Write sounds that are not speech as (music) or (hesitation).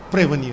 (hesitation) (hesitation)